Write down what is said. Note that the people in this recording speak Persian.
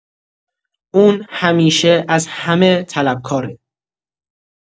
اون همیشه از همه طلبکاره!